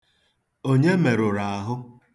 Onye merụrụ ahụ?